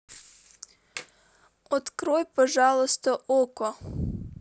открой пожалуйста окко